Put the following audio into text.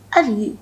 Hali ye